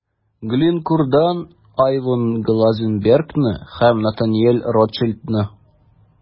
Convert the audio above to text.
Glencore'дан Айван Глазенбергны һәм Натаниэль Ротшильдны.